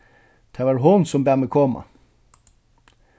tað var hon sum bað meg koma